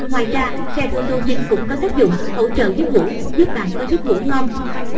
ngoài ra serotonin cũng có tác dụng hỗ trợ giấc ngủ giúp bạn có giấc ngủ ngon